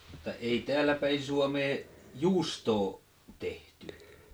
mutta ei täällä päin Suomea juustoa tehty